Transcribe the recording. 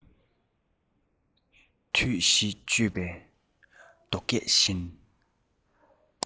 དུས བཞི གཅོད པའི རྡོ སྐས བཞིན